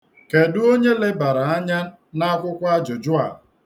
Kedụ onye lebara anya n'akwụkwọ ajụjụ a?